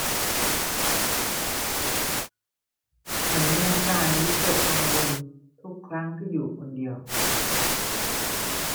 ฉันมีอาการวิตกกังวลทุกครั้งที่อยู่คนเดียว